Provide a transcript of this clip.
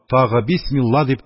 Тагы: «бисмилла!» – дип,